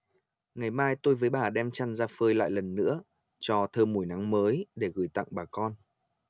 ngày mai tôi với bà đem chăn ra phơi lại lần nữa cho thơm mùi nắng mới để gửi tặng bà con